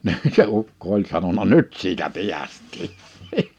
niin se ukko oli sanonut nyt siitä päästiin